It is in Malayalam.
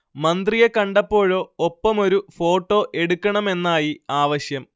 മന്ത്രിയെ കണ്ടപ്പോഴോ ഒപ്പമൊരു ഫോട്ടോ എടുക്കണമെന്നായി ആവശ്യം